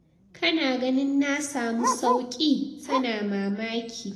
“Kana ganin na samu sauki?” tana mamaki.